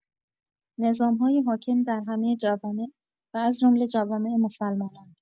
نظام‌های حاکم در همه جوامع و از جمله جوامع مسلمانان